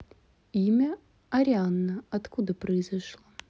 имя арианна откуда произошло